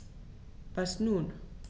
Was nun?